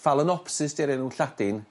Phalanopsis 'di'r enw Lladin